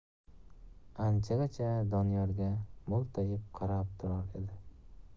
anchagacha doniyorga mo'ltayib qarab turar edi